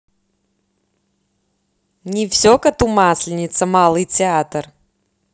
не все коту масленица малый театр